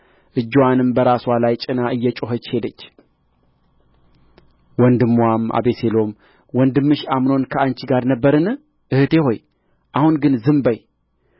እጅዋንም በራስዋ ላይ ጭና እየጮኸች ሄደች ወንድምዋም አቤሴሎም ወንድምሽ አምኖን ከአንቺ ጋር ነበረን እኅቴ ሆይ አሁን ግን ዝም በዪ